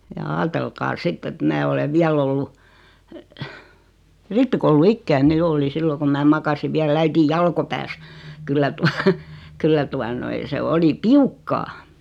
ja ajatelkaa sitten että minä olen vielä ollut rippikouluikäinen jo olin silloin kun minä makasin vielä äitini jalkopäässä kyllä tuota kyllä tuota noin se oli piukkaa